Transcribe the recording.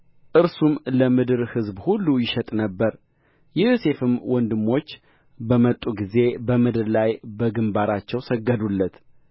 እርሱም ለምድር ሕዝብ ሁሉ ይሸጥ ነበር የዮሴፍም ወንድሞች በመጡ ጊዜ በምድር ላይ በግምባራቸው ሰገዱለት